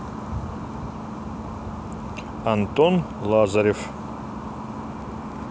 антон лазарев